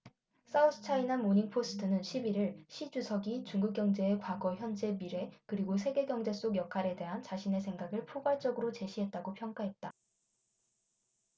사우스차이나모닝포스트는 십 일 일 시 주석이 중국 경제의 과거 현재 미래 그리고 세계경제 속 역할에 대한 자신의 생각을 포괄적으로 제시했다고 평가했다